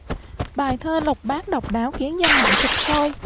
bài thơ lục bát độc đáo khiến dân mạng sục sôi